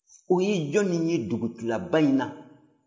o ye jɔnni ye dugutilaba in na